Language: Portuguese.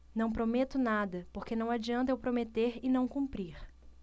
não prometo nada porque não adianta eu prometer e não cumprir